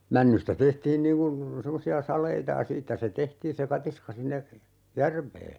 männystä tehtiin niin kuin semmoisia saleita ja siitä se tehtiin se katiska sinne järveen